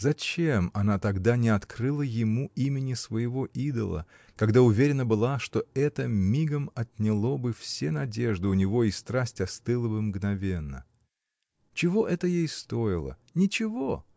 Зачем она тогда не открыла ему имени своего идола, когда уверена была, что это мигом отняло бы все надежды у него и страсть остыла бы мгновенно? Чего это ей стоило? Ничего!